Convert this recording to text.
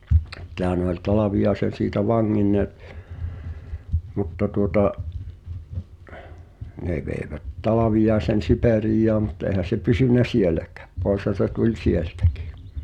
sittenhän ne oli Talviaisen siitä vanginneet mutta tuota ne veivät Talviaisen Siperiaan mutta eihän se pysynyt sielläkään poishan se tuli sieltäkin